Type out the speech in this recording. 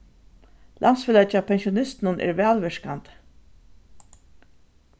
landsfelagið hjá pensjonistunum er vælvirkandi